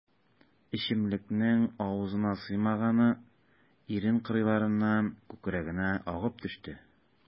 Эчемлекнең авызына сыймаганы ирен кырыйларыннан күкрәгенә агып төште.